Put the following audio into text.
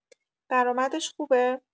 درآمدش خوبه؟